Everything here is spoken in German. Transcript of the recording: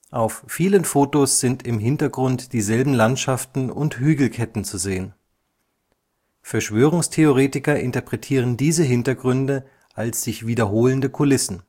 Auf vielen Fotos sind im Hintergrund dieselben Landschaften und Hügelketten zu sehen. Verschwörungstheoretiker interpretieren diese Hintergründe als sich wiederholende Kulissen